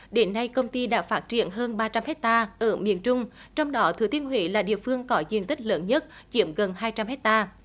đến nay công ty đã phát triển hơn ba trăm héc ta ở miền trung trong đó thừa thiên huế là địa phương có diện tích lớn nhất chiếm gần hai trăm héc ta